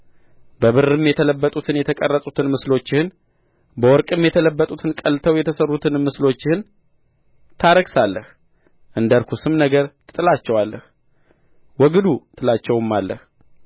በብርም የተለበጡትን የተቀረጹትን ምስሎችህን በወርቅም የተለበጡትን ቀልጠው የተሠሩትን ምስሎችህን ታረክሳለህ እንደ ርኩስም ነገር ትጥላቸዋለህ ወግዱ ትላቸውማለህ